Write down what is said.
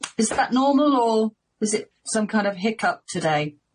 Is that normal or is it some kind of hiccup today?